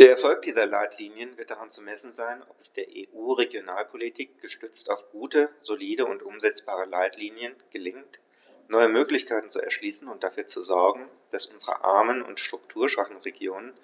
Der Erfolg dieser Leitlinien wird daran zu messen sein, ob es der EU-Regionalpolitik, gestützt auf gute, solide und umsetzbare Leitlinien, gelingt, neue Möglichkeiten zu erschließen und dafür zu sorgen, dass unsere armen und strukturschwachen Regionen